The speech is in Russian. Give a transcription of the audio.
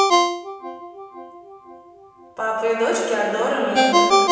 папа и дочки adore me